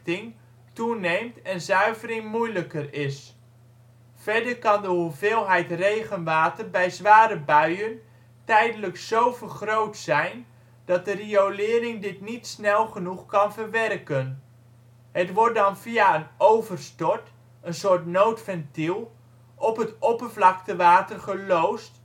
een rioolzuiveringinrichting toeneemt en zuivering moeilijker is. Verder kan de hoeveelheid regenwater bij zware buien tijdelijk zo groot zijn, dat de riolering dit niet snel genoeg kan verwerken. Het wordt dan via een overstort (een soort noodventiel) op het oppervlaktewater geloosd